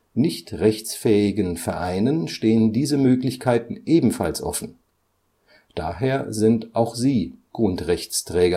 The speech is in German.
Nicht-rechtsfähigen Vereinen stehen diese Möglichkeiten ebenfalls offen, daher sind auch sie Grundrechtsträger